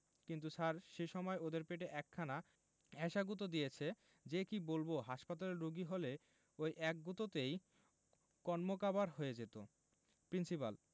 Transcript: কিন্তু স্যার সে সময় ওদের পেটে এক একখানা এ্যায়সা গুঁতো দিয়েছে যে কি বলব হাসপাতালের রোগী হলে ঐ এক গুঁতোতেই কন্মকাবার হয়ে যেত প্রিন্সিপাল